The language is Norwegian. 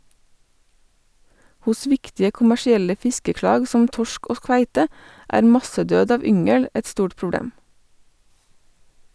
Hos viktige kommersielle fiskeslag som torsk og kveite er massedød av yngel et stort problem.